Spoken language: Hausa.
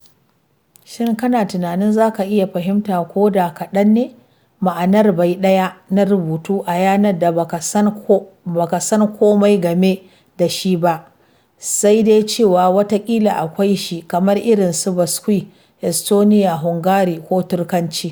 Shin kana tunanin zaka iya fahimta - ko da kaɗan ne - ma'anar bai ɗaya na rubutu a yaran da ba ka san komai game da shi ba (sai dai cewa watakila akwai shi) kamar irinsu Basque, Estoniya, Hungari ko Turkanci?